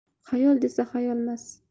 xayol desa xayolmas